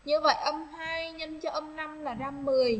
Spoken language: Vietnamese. như vậy nhân cho là